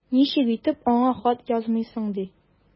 Ничек итеп аңа хат язмыйсың ди!